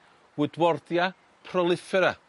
woodwardia prolifera